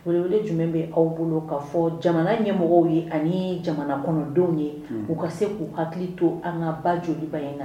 Welewele jumɛn bɛ aw bolo k'a fɔ jamana ɲɛmɔgɔw ye anii jamanakɔnɔdenw ye u ka se k'u hakili to an ŋa ba joliba in na